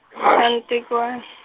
a ni tekiwan-.